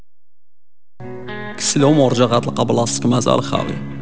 سلومو رجل قبل استكمال الخاوي